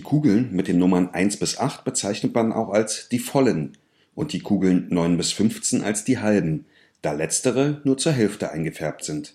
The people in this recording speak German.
Kugeln mit den Nummern 1 bis 8 bezeichnet man auch als die Vollen und die Kugeln 9 bis 15 als die Halben, da letztere nur zur Hälfte eingefärbt sind.